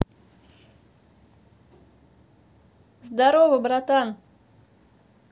здорово братан